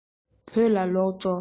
བོད ལ ལོག འགྲོ